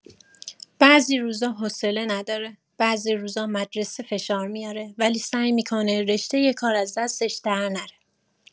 بعضی روزا حوصله نداره، بعضی روزا مدرسه فشار میاره، ولی سعی می‌کنه رشته کار از دستش در نره.